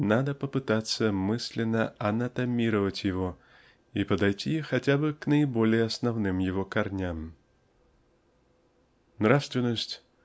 --надо попытаться мысленно анатомировать его и подойти хотя бы к наиболее основным его корням. Нравственность